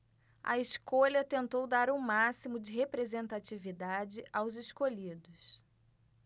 a escolha tentou dar o máximo de representatividade aos escolhidos